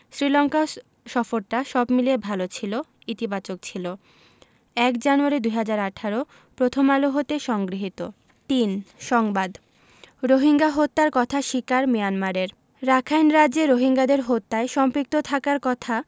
শ্রীলঙ্কা সফরটা সব মিলিয়ে ভালো ছিল ইতিবাচক ছিল ০১ জানুয়ারি ২০১৮ প্রথম আলো হতে সংগৃহীত ৩ সংবাদ রোহিঙ্গা হত্যার কথা স্বীকার মিয়ানমারের রাখাইন রাজ্যে রোহিঙ্গাদের হত্যায় সম্পৃক্ত থাকার কথা